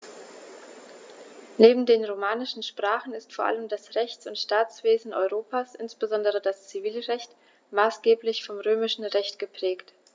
Neben den romanischen Sprachen ist vor allem das Rechts- und Staatswesen Europas, insbesondere das Zivilrecht, maßgeblich vom Römischen Recht geprägt.